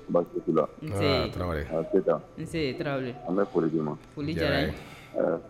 Basi t'i la. Unse. Unba Tarawele. An Keyita. Unse Tarawele. An bɛ foli d'i ma. Foli diyara an ye. Ɛ